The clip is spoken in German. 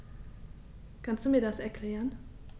Kannst du mir das erklären?